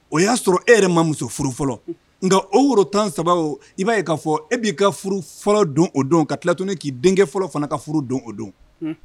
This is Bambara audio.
O y'a sɔrɔ e yɛrɛ ma muso furu fɔlɔ nka o woro 10 saba o i b'a ye k'a fɔ e b'i ka furu fɔlɔ don o don ka tila tuguni k'i denkɛ fɔlɔ fana ka furu don o don